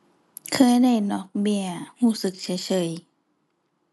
เคยได้ดอกเบี้ย รู้สึกเฉยเฉย